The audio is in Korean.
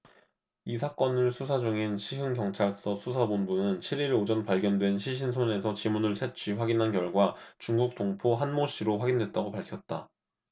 이 사건을 수사 중인 시흥경찰서 수사본부는 칠 일 오전 발견된 시신 손에서 지문을 채취 확인한 결과 중국 동포 한모씨로 확인됐다고 밝혔다